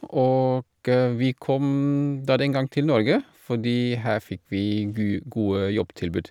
Og vi kom da den gang til Norge fordi her fikk vi gu gode jobbtilbud.